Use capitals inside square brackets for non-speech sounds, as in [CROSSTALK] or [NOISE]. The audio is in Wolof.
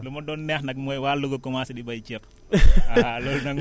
li ma doon neex nag mooy waa Louga commencé di béy ceeb [LAUGHS] waaw loolu nag